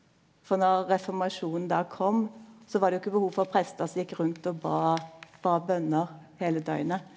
for når reformasjonen då kom så var det jo ikkje behov for prestar som gjekk rundt å bad bad bønner heile døgnet.